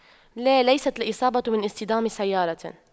لا ليست الاصابة من اصطدام سيارة